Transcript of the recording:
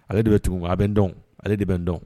Ale de bɛ tugun a bɛ dɔn ale de bɛ dɔn